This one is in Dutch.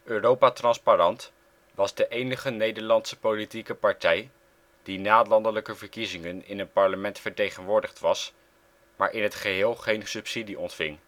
Europa Transparant was de enige Nederlandse politieke partij die na landelijke verkiezingen in een parlement vertegenwoordigd was maar in het geheel geen subsidie ontving